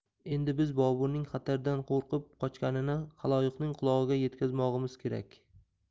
endi biz boburning xatardan qo'rqib qochganini xaloyiqning qulog'iga yetkazmog'imiz kerak